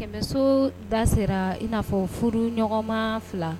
Kɛmɛso da sera i in n'afɔ furu ɲɔgɔnma fila